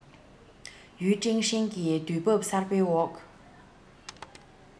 ཡུས ཀྲེང ཧྲེང གིས དུས བབ གསར པའི འོག